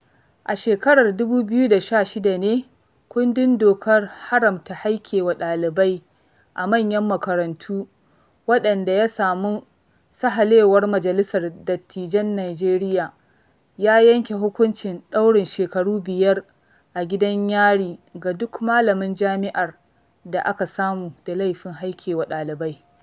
A shakarar 2016 ne "kundin Dokar Haramta Haikewa ɗalibai a Manyan Makarantu" wanda ya samu sahalewar Majalisar Dattijan Nijeriya ya yanke hukuncin ɗaurin shekaru 5 a gidan yari ga duk malamin jami'ar da aka samu da laifin haikewa ɗalibai.